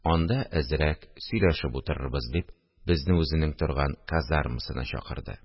Анда әзрәк сөйләшеп утырырбыз, – дип, безне үзенең торган казармасына чакырды